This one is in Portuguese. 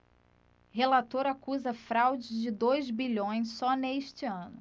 relator acusa fraude de dois bilhões só neste ano